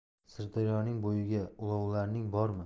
sirdaryoning bo'yiga ulovlaring bormi